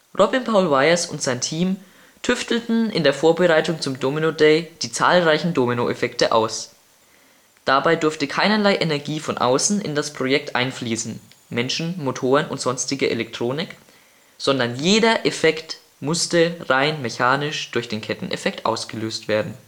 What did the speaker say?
Robin Paul Weijers und sein Team tüftelten in der Vorbereitung zum Domino Day die zahlreichen Domino-Effekte aus. Dabei durfte keinerlei Energie von außen in das Projekt einfließen (Menschen, Motoren und sonstige Elektronik), sondern jeder Effekt musste rein mechanisch durch den Ketteneffekt ausgelöst werden